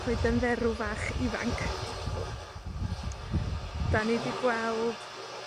coeden dderw fach ifanc. 'Dan ni di gweld